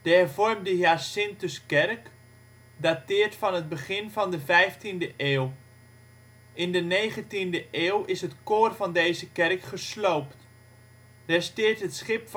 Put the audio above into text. hervormde Hyacinthuskerk dateert van het begin van de 15e eeuw. In de 19e eeuw is het koor van deze kerk gesloopt. Resteert het schip